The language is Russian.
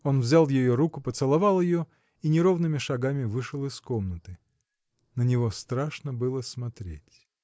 Он взял ее руку, поцеловал ее и неровными шагами вышел из комнаты. На него страшно было смотреть.